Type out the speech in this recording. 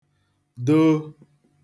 doo